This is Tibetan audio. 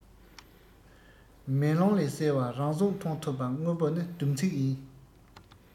མེ ལོང ལས གསལ བ རང གཟུགས མཐོང ཐུབ པ དངོས པོ ནི སྡོམ ཚིག ཡིན